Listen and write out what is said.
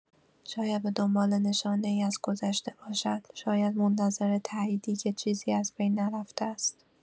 شاید به دنبال نشانه‌ای از گذشته باشد، شاید منتظر تاییدی که چیزی از بین نرفته است.